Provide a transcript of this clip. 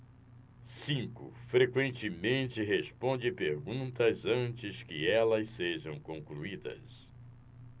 cinco frequentemente responde perguntas antes que elas sejam concluídas